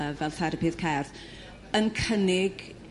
yrr fel therapydd cerdd yn cynnig